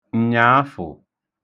ǹnyàafụ̀